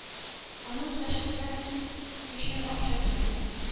Аны үзләштергән өчен акча түләгез.